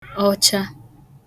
ọcha